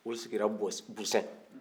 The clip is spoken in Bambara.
o sigila bɔsbusɛn